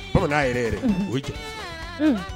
Aw n'a yɛrɛ yɛrɛ o cɛ